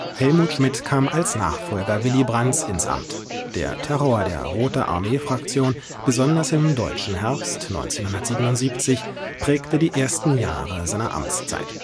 Helmut Schmidt kam als Nachfolger Willy Brandts ins Amt. Der Terror der Rote Armee Fraktion, besonders im „ Deutschen Herbst “1977, prägte die ersten Jahre seiner Amtszeit